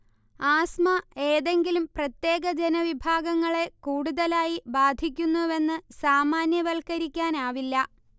asthma ഏതെങ്കിലും പ്രത്യേക ജനവിഭാഗങ്ങളെ കൂടുതലായി ബാധിക്കുന്നുവെന്ന് സാമാന്യവൽക്കരിക്കാനാവില്ല